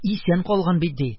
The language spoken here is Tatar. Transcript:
Исән калган бит, - ди.